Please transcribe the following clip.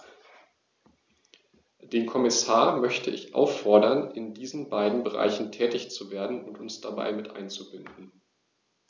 Den Kommissar möchte ich auffordern, in diesen beiden Bereichen tätig zu werden und uns dabei mit einzubinden.